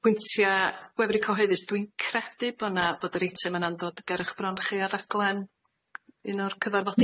Pwyntia gwefru cyhoeddus, dwi'n credu bo' 'na bod yr eitem yna'n dod ger 'ych bron chi a raglen un o'r cyfarfodydd...